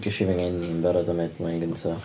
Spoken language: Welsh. Ges i fy ngeni'n barod am headline gynta.